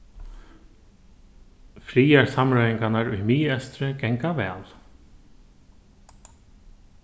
friðarsamráðingarnar í miðeystri ganga væl